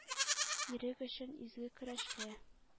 Ирек өчен изге көрәшкә.